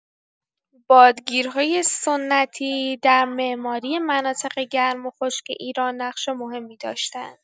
بادگیرهای سنتی در معماری مناطق گرم و خشک ایران نقش مهمی داشته‌اند.